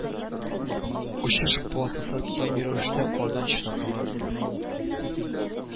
Очыш полосасы даими рәвештә кардан чистартыла